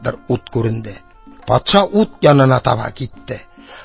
Бер ут күренде, патша ут янына таба китте.